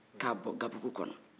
k'a bɔn gabugu kɔnɔ